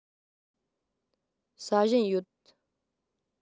ཟ བཞིན ཡོད